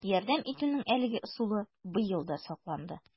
Ярдәм итүнең әлеге ысулы быел да сакланды: